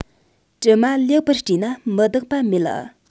དྲི མ ལེགས པར བཀྲུས ན མི འདག པ མེད